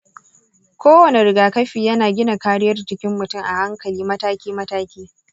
kowane rigakafi yana gina kariyar jikin mutum a hankali mataki-mataki.